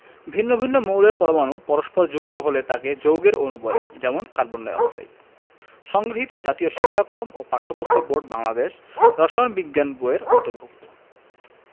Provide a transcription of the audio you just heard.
ভিন্ন ভিন্ন মৌলের পরমাণু পরস্পর যুক্ত হলে তাকে যৌগের অণু বলে যেমন কার্বন ডাই অক্সাইড সংগৃহীত জাতীয় শিক্ষাক্রম ও পাঠ্যপুস্তক বোর্ড বাংলাদেশ রসায়ন বিজ্ঞান বই এর অন্তর্ভুক্ত